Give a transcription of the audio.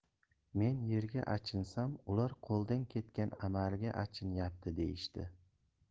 men yerga achinsam ular qo'ldan ketgan amaliga achinyapti deyishdi